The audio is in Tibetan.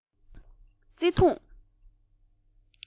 བརྩེ དུང བརྩེ དུང